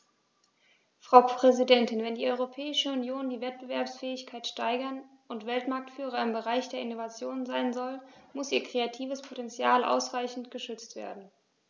Frau Präsidentin, wenn die Europäische Union die Wettbewerbsfähigkeit steigern und Weltmarktführer im Bereich der Innovation sein soll, muss ihr kreatives Potential ausreichend geschützt werden.